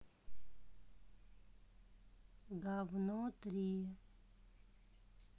гавно три